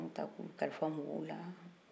u bɛ baaraw kɛ n'u ye u bɛ mɔgɔw makow dilan n'u ye